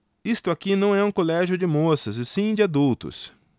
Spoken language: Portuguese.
isto aqui não é um colégio de moças e sim de adultos